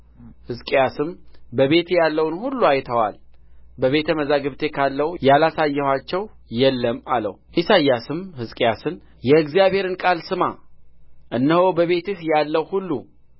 ሕዝቅያስም በቤቴ ያለውን ሁሉ አይተዋል በቤተ መዛግብቴ ካለው ያላሳየኋቸው የለም አለው ኢሳይያስም ሕዝቅያስን የእግዚአብሔርን ቃል ስማ እነሆ በቤትህ ያለው ሁሉ